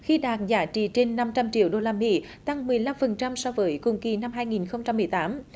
khi đạt giá trị trên năm trăm triệu đô la mỹ tăng mười lăm phần trăm so với cùng kỳ năm hai nghìn không trăm mười tám